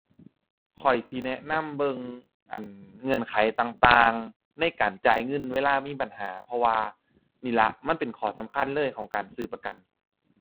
ข้อยสิแนะนำเบิ่ง อั่น เงื่อนไขต่างต่างในการจ่ายเงินเวลามีปัญหา เพราะว่านี่ล่ะมันเป็นข้อสำคัญเลยของการซื้อประกัน